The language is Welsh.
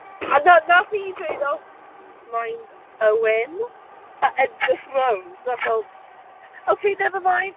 A na- wnaeth hi dweud "oh, mine's Owen", a edrych rownd, a fel ok, never mind.